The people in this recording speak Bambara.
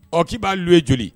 Ɔ k'i b'a lu ye joli